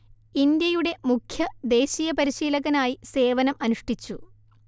ഇന്ത്യയുടെ മുഖ്യ ദേശീയ പരിശീലകനായി സേവനം അനുഷ്ടിച്ചു